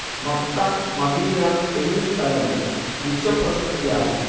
Mecca Medina എന്നീ സ്ഥലങ്ങൾ വിശ്വപ്രശസ്തിയാർജിച്ചു